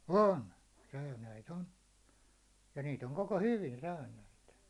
on säynäitä on ja niitä on koko hyvin säynäitä